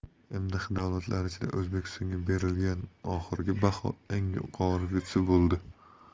mdh mamlakatlari ichida o'zbekistonga berilgan oxirgi baho eng yuqorisi bo'ldi